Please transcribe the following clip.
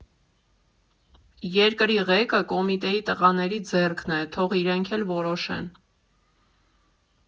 Երկրի ղեկը Կոմիտեի տղաների ձեռքն է, թող իրենք էլ որոշեն։